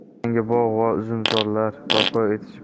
yangi bog' va uzumzorlar barpo etish